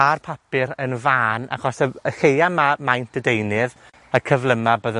a'r papur yn fân, achos y f- y lleia ma' maint y deunydd, y cyflyma bydden